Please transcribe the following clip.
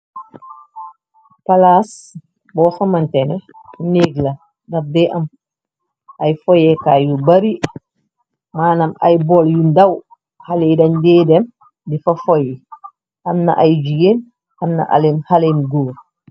Palaas boo xamantene nieg la daxdee am ay foyekaa yu bari maanam ay bool yu ndaw xale dandee dem di fa foy amna ay jiyeen amna xale yi goor.